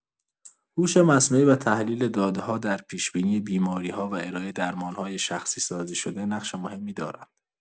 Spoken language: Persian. هوش مصنوعی و تحلیل داده‌ها در پیش‌بینی بیماری‌ها و ارائه درمان‌های شخصی‌سازی‌شده نقش مهمی دارند.